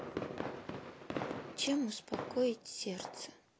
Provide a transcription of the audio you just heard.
чем успокоить сердце